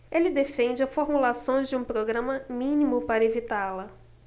ele defende a formulação de um programa mínimo para evitá-la